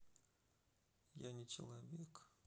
я не человек